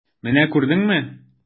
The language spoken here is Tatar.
Менә күрдеңме?